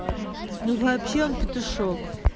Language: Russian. ну вообще он петушок